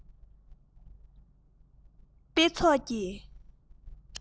དཔེ ཚོགས ཀྱི